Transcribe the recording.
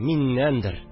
Миннәндер